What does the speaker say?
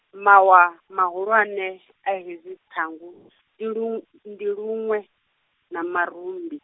mawa, mahulwane a hedzi ṱhangu , ndi lu- ndi luṅwe, na murumbi.